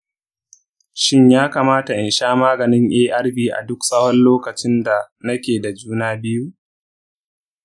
shin ya kamata in sha maganin arv a duk tsawon lokacin da nake da juna biyu?